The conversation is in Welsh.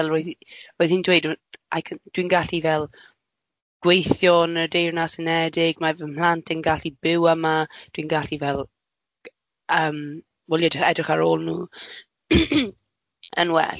Wel roedd roedd hi'n dweud I can I can dwi'n gallu fel gweithio yn y Deyrnas Unedig, mae fy mhlant yn gallu byw yma, dwi'n gallu fel yym wylio edrych ar ôl nhw yn well.